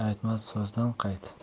aytmas so'zdan qayt